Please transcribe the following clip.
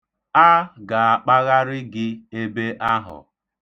A ga-akpagharị gị ebe ahụ.